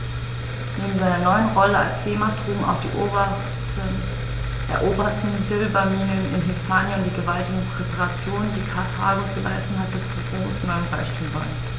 Neben seiner neuen Rolle als Seemacht trugen auch die eroberten Silberminen in Hispanien und die gewaltigen Reparationen, die Karthago zu leisten hatte, zu Roms neuem Reichtum bei.